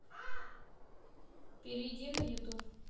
перейди на ютуб